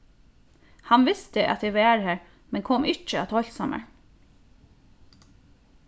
hann visti at eg var har men kom ikki at heilsa mær